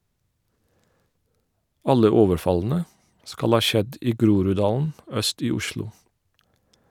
Alle overfallene skal ha skjedd i Groruddalen øst i Oslo.